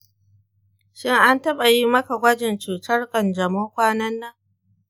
shin an taɓa yi maka gwajin cutar ƙanjamau kwanan nan?